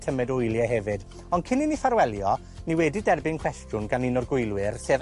tymed o wylie hefyd. Ond cyn i ni ffarwelio, ni wedi derbyn cwestiwn gan un o'r gwylwyr sef...